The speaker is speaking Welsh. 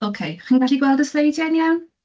Ok, chi'n gallu gweld y sleidiau'n iawn?